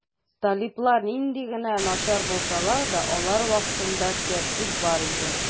Талиблар нинди генә начар булсалар да, алар вакытында тәртип бар иде.